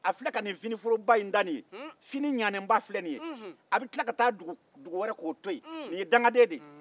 a filɛ ka nin finiforoba in da nin ye fini ɲanenba filɛ nin ye a bɛ tila ka taa dugu wɛrɛ ko to ye nin ye dangaden de ye